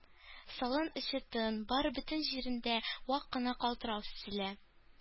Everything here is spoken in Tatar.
Салон эче тын, бары бөтен җирендә вак кына калтырау сизелә